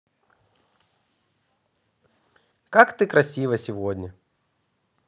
как ты красива сегодня